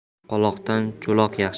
qoloqdan cho'loq yaxshi